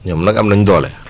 ñoom nag am nañ doole